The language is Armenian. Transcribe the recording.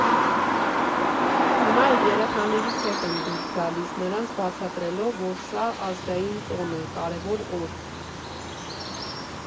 Հիմա էլ երեխաներիս հետ եմ դուրս գալիս՝ նրանց բացատրելով, որ սա ազգային տոն է, կարևոր օր։